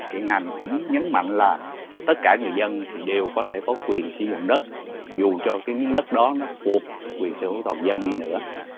hiện hành cũng nhấn mạnh là tất cả người dân thì đều có thể có quyền sử dụng đất dù cho cái miếng đất đó thuộc quyền sở hữu toàn dân đi nữa